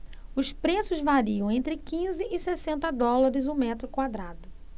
os preços variam entre quinze e sessenta dólares o metro quadrado